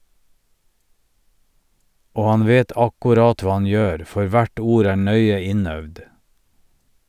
Og han vet akkurat hva han gjør, for hvert ord er nøye innøvd.